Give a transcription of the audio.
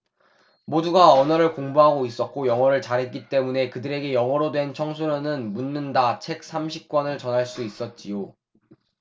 모두가 언어를 공부하고 있었고 영어를 잘했기 때문에 그들에게 영어로 된 청소년은 묻는다 책 삼십 권을 전할 수 있었지요